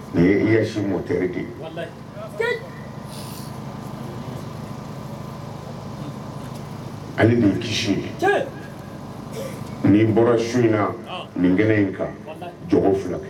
Ni ye Krasi moteur de ye . Ale de yi kisi . Ni bɔra su in na nin kɛnɛ in kan jɔ ko 2 kɛ